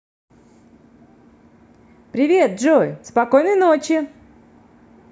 привет джой спокойной ночи